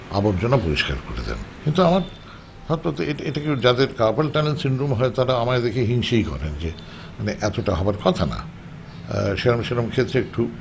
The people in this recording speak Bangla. আবর্জনা পরিষ্কার করে দেন কিন্তু আমার যাদের কারপাল টানেল সিনড্রোম হয় তারা আমায় দেখে হিংসেই করেন যে মানে এতটা হবার কথা না সেরম সেরম ক্ষেত্রে একটু